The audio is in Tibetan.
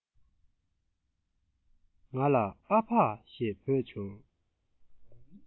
ང ལ ཨ ཕ ཞེས བོས བྱུང